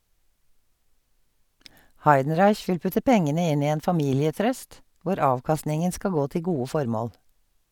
Heidenreich vil putte pengene inn i en familietrust, hvor avkastningen skal gå til gode formål.